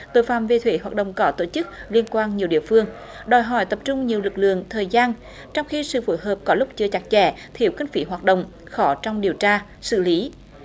tội phạm về thuế hoạt động có tổ chức liên quan nhiều địa phương đòi hỏi tập trung nhiều lực lượng thời gian trong khi sự phối hợp có lúc chưa chặt chẽ thiếu kinh phí hoạt động khó trong điều tra xử lý